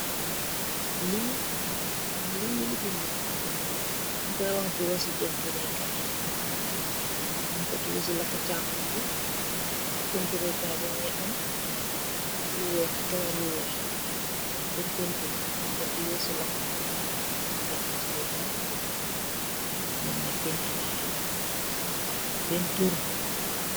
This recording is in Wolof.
Lii lifin la, ñung kooy wax borosu pëënturee kaay, ñun ko tiyee si loxo chaamoy bi, pëënturee kaay bi mu ngi am, lu weex, kawar yu weex, waaw, pur pëëntur la, ñung ko tiyee si loxo bi. Mu ngi am tiyee kaay bu pooñgkal, mo lañuy pëënturee.